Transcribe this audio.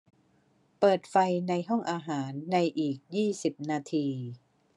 เปิดไฟในห้องอาหารในอีกยี่สิบนาที